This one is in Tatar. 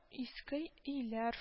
Иске өйләр